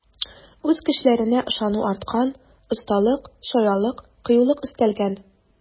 Үз көчләренә ышану арткан, осталык, чаялык, кыюлык өстәлгән.